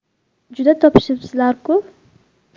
juda topishibsizlar ku